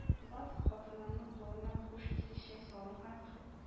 Булат хатынының кулыннан хуш исле чәй салынган кэ